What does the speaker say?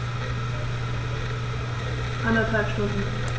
Eineinhalb Stunden